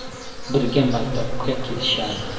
birga maktabga ketishardi